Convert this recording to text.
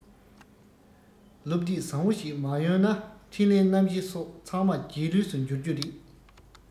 སློབ དེབ བཟང བོ ཞིག མ ཡོང ན འཕྲིན ལས རྣམ བཞི སོགས ཚང མ རྗེས ལུས སུ འགྱུར རྒྱུ རེད